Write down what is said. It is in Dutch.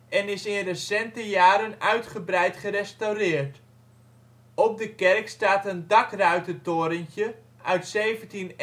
en is in recente jaren uitgebreid gerestaureerd. Op de kerk staat een dakruitertorentje uit 1771